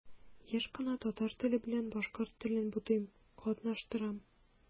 Еш кына татар теле белән башкорт телен бутыйм, катнаштырам.